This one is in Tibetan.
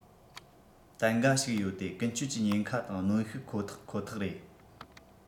ཏན འགའ ཞིག ཡོད དེ ཀུན སྤྱོད ཀྱི ཉེན ཁ དང གནོན ཤུགས ཁོ ཐག ཁོ ཐག རེད